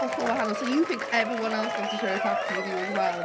hollol wahanol, so you think everyone else wants to share a taxi with you as well.